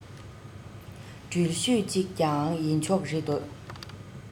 འགྲུལ བཞུད ཅིག ཀྱང ཡིན ཆོག རེད དེ